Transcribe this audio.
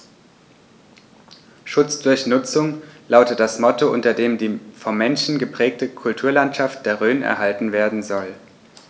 „Schutz durch Nutzung“ lautet das Motto, unter dem die vom Menschen geprägte Kulturlandschaft der Rhön erhalten werden soll.